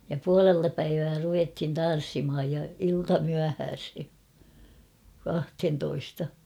ja puolelta päivää ruvettiin tanssimaan ja iltamyöhäiseen kahteentoista